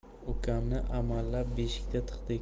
ukamni amallab beshikka tiqdik